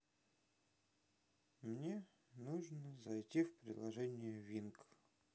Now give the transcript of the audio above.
мне нужно зайти в приложение винк